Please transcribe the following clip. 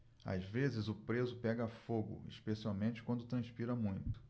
às vezes o preso pega fogo especialmente quando transpira muito